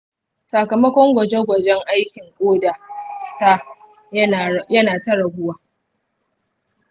sakamakon gwaje-gwajen aikin ƙoda ta ya na ta raguwa.